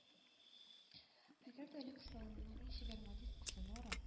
Әгәр дә Люкс салонының иң чибәр модисткасы Нора